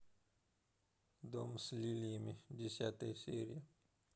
дом с лилиями десятая серия